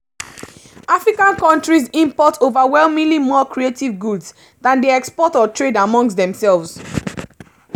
African countries import overwhelmingly more creative goods than they export or trade amongst themselves.